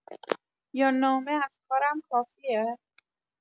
یا نامه از کارم کافیه؟